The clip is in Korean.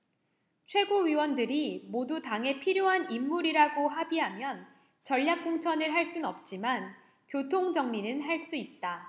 최고위원들이 모두 당에 필요한 인물이라고 합의하면 전략공천을 할 순 없지만 교통정리는 할 수 있다